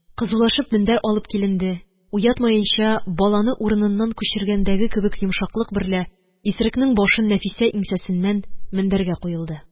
Кызулашып мендәр алып киленде, уятмаенча баланы урыныннан күчергәндәге кебек йомшаклык берлә исерекнең башын Нәфисә иңсәсеннән мендәргә куелды.